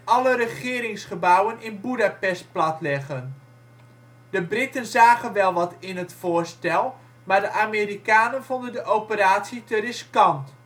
alle regeringsgebouwen in Boedapest platleggen. De Britten zagen wel wat in het voorstel, maar de Amerikanen vonden de operatie te riskant